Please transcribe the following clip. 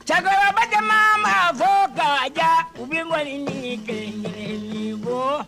Cɛkɔrɔbabakɛ ma fo ka diya u bɛ bɔ ɲini kelenli bɔ